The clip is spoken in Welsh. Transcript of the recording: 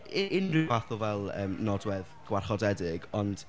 u- unrhyw fath o fel yym nodwedd gwarchodedig. Ond...